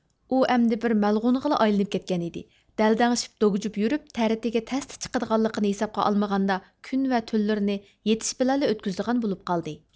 ئۇ ئەمدى بىر مەلغۇنغىلا ئايلىنىپ كەتكەن ئىدى دەلدەڭشىپ دوگجۇپ يۈرۈپ تەرىتىگە تەستە چىقىدىغانلىقىنى ھېسابقا ئالمىغاندا كۈن ۋە تۈنلىرىنى يېتىش بىلەنلا ئۆتكۈزىدىغان بولۇپ قالدى